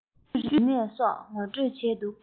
ལོ རྒྱུས རིག གནས སོགས ངོ སྤྲོད བྱས འདུག